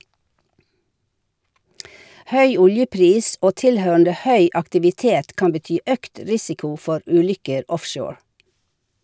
Høy oljepris og tilhørende høy aktivitet kan bety økt risiko for ulykker offshore.